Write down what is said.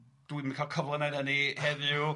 dwi'm yn cael cyfle i wneu hynny heddiw .